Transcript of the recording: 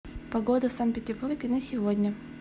погода в санкт петербурге на сегодня